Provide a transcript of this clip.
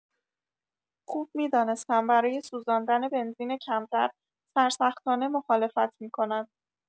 خوب می‌دانستم برای سوزاندن بنزین کمتر سرسختانه مخالفت می‌کند.